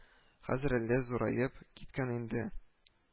Хәзер әллә зураеп киткән инде